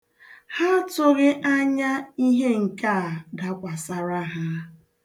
Ha atụghị anya ihe nke a dakwasara ha.